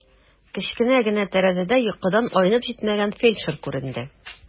Кечкенә генә тәрәзәдә йокыдан айнып җитмәгән фельдшер күренде.